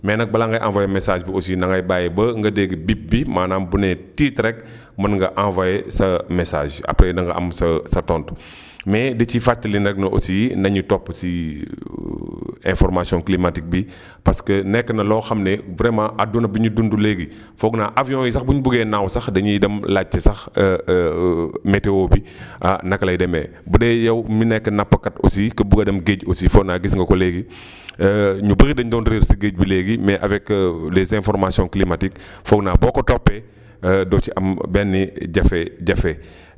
mais nag balaa ngay envoyé message bi aussi na ngay bàyyi ba dégg bip bi maanaam bu nee tiit rekk mën nga envoyer sa message après na nga am sa sa tontu mais di ci fàttali nag ne aussi na ñu topp aussi information climatique bi parce que nekk na loo xam ne vraiment àdduna bi ñu dund léegi foog naa avions yi sax bu ñu bëggee naaw sax da ñuy dem laajte sax météo bi ah naka lay demee bu dee yow mi nekk nappkat aussi ka bëgg a dem géej aussi foog naa gis nga ko léegi ñu bëri dañu doon réer si géej bi léegi mais avec les informations climatiques foog naa boo ko toppee doo ci am benn jafe-jafe